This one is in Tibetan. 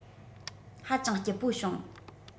ཧ ཅང སྐྱིད པོ བྱུང